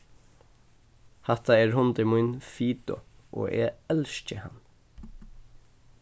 hatta er hundur mín fido og eg elski hann